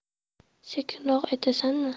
sekinroq aytasanmi